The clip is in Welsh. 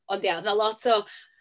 Ond ie, oedd 'na lot o...